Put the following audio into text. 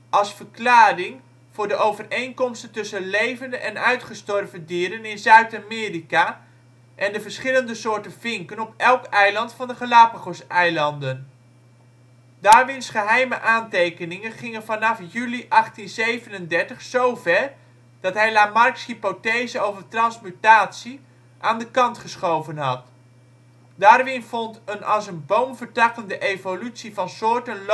als verklaring voor de overeenkomsten tussen levende en uitgestorven dieren in Zuid-Amerika en de verschillende soorten vinken op elk eiland in de Galapagoseilanden. Darwins geheime aantekeningen gingen vanaf juli 1837 zover, dat hij Lamarcks hypothese over transmutatie aan de kant geschoven had. Darwin vond een als een boom vertakkende evolutie van soorten